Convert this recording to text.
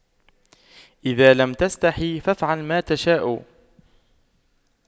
اذا لم تستحي فأفعل ما تشاء